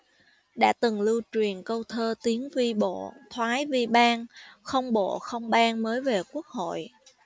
đã từng lưu truyền câu thơ tiến vi bộ thoái vi ban không bộ không ban mới về quốc hội